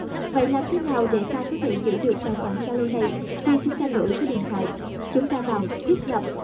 vậy làm như thế nào để ta có thể giữ được tài khoản zalo này khi chúng ta đổi số điện thoại vậy chúng ta vào thiết lập